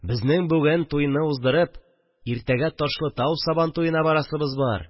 Безнең бүген туйны уздырып, иртәгә Ташлытау сабантуена барасыбыз бар